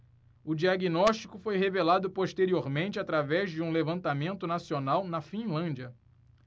o diagnóstico foi revelado posteriormente através de um levantamento nacional na finlândia